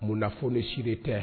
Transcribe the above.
Mundaf ni siri tɛ